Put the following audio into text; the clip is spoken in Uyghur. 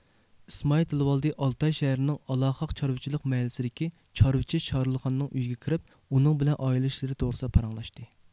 ئىسمائىل تىلىۋالدى ئالتاي شەھىرىنىڭ ئالاخاق چارۋىچىلىق مەھەللىسىدىكى چارۋىچى شارۇلخاننىڭ ئۆيىگە كىرىپ ئۇنىڭ بىلەن ئائىلە ئىشلىرى توغرىسىدا پاراڭلاشتى